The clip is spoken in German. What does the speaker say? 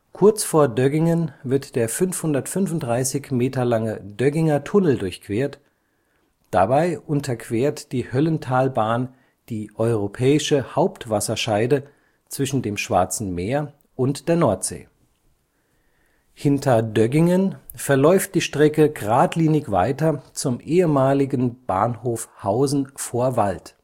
Kurz vor Döggingen wird der 535 m lange Dögginger Tunnel durchquert, dabei unterquert die Höllentalbahn die europäische Hauptwasserscheide zwischen dem Schwarzen Meer und der Nordsee. Hinter Döggingen verläuft die Strecke gradlinig weiter zum ehemaligen Bahnhof Hausen vor Wald